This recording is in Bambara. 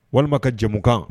Walima ka jamumu kan